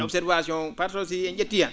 et observation par ce si en ?ettii han